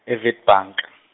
e- Witbank .